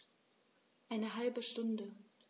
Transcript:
Eine halbe Stunde